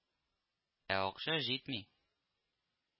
Акча җитми. ю